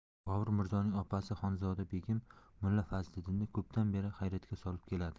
bobur mirzoning opasi xonzoda begim mulla fazliddinni ko'pdan beri hayratga solib keladi